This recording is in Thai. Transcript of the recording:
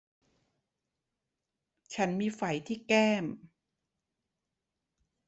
ฉันมีไฝที่แก้ม